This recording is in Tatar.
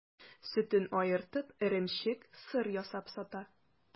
Сөтен аертып, эремчек, сыр ясап сата.